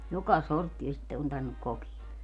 joka sorttia sitten on tarvinnut kokea